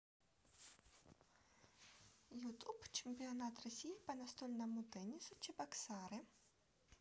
youtube чемпионат россии по настольному теннису чебоксары